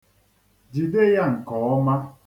Jide ya nke ọma.